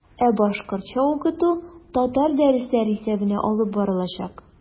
Ә башкортча укыту татар дәресләре исәбенә алып барылачак.